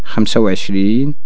خمسة أو عشرين